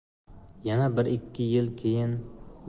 yana bir ikki yil keyin